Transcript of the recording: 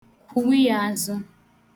kwùwiyaazụ